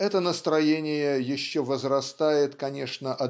Это настроение еще возрастает конечно